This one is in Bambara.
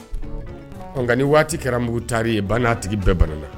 Nka ni waati kɛra mugutari ye ba n’a tigi bɛɛ bana